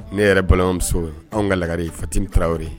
Ne yɛrɛ balimamuso anw ka lagare fatimi tarawele ye